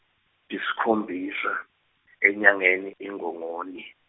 tisikhombisa, enyangeni iNgongoni.